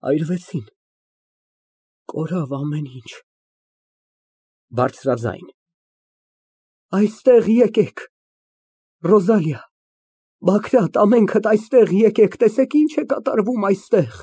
Այրվեցին, կորավ ամեն ինչ։ (Բարձրաձայն) Այստղ եկեք, Ռոզալիա, Բագրատ, ամենքդ եկեք, տեսեք ինչ է կատարվում այստեղ։